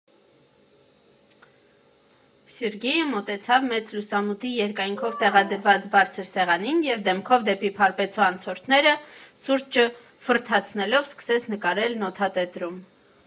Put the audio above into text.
Սերգեյը մոտեցավ մեծ լուսամուտի երկայնքով տեղադրված բարձր սեղանին և դեմքով դեպի Փարպեցու անցորդները՝ սուրճը ֆռթացնելով սկսեց նկարել նոթատետրում։